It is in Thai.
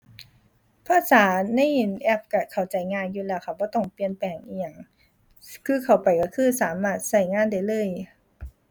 ภาษาใน อั่น แอปก็เข้าใจง่ายอยู่แล้วค่ะ บ่ต้องเปลี่ยนแปลงอิหยัง คือเข้าไปก็คือสามารถก็งานได้เลย